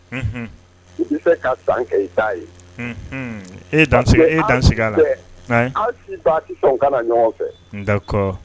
I fɛ ka san kɛ i t' ye e e dan ba sɔn ka na ɲɔgɔn fɛ